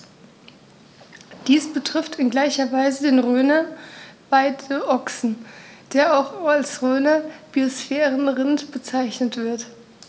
Dies betrifft in gleicher Weise den Rhöner Weideochsen, der auch als Rhöner Biosphärenrind bezeichnet wird.